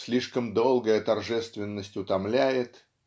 слишком долгая торжественность утомляет